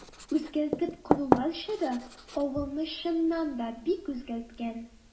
Үзгәртеп корулар чоры авылны, чыннан да, бик үзгәрткән.